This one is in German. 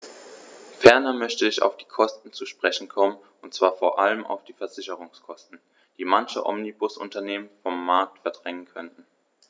Ferner möchte ich auf die Kosten zu sprechen kommen, und zwar vor allem auf die Versicherungskosten, die manche Omnibusunternehmen vom Markt verdrängen könnten.